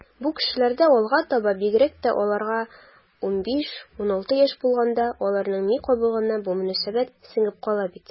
Бу кешеләрдә алга таба, бигрәк тә аларга 15-16 яшь булганда, аларның ми кабыгына бу мөнәсәбәт сеңеп кала бит.